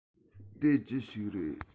དེ ཅི ཞིག རེད